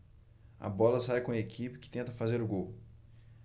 a bola sai com a equipe que tenta fazer o gol